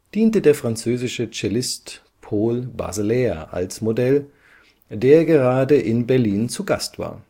diente der französische Cellist Paul Bazelaire als Modell, der gerade in Berlin zu Gast war